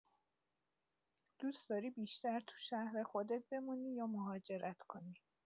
دوست‌داری بیشتر تو شهر خودت بمونی یا مهاجرت کنی؟